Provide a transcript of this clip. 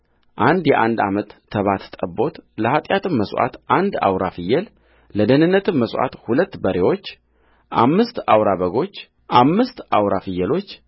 አንድ የአንድ ዓመት ተባት ጠቦት ለኃጢአትም መሥዋዕት አንድ አውራ ፍየልለደኅንነትም መሥዋዕት ሁለት በሬዎች አምስት አውራ በጎች አምስት አውራ ፍየሎች